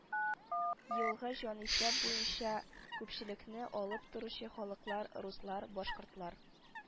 Елгы җанисәп буенча күпчелекне алып торучы халыклар: руслар , башкортлар